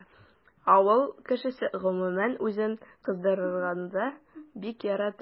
Авыл кешесе гомумән үзен кызгандырырга бик ярата.